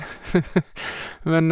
Men...